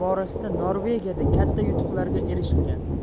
borasida norvegiyada katta yutuqlarga erishilgan